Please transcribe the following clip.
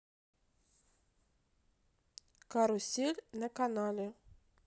карусель на канале